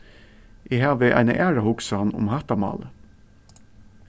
eg havi eina aðra hugsan um hatta málið